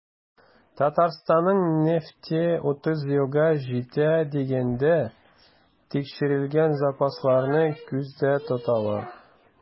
Татарстанның нефте 30 елга җитә дигәндә, тикшерелгән запасларны күздә тоталар.